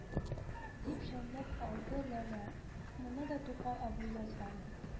Дип чәнчеп алды ләлә: – моны да тукай абый язган бит,